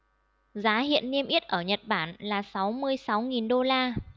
giá hiện niêm yết ở nhật bản là sáu mươi sáu nghìn đô la